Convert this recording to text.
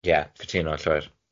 Ie, cytuno'n llwyr.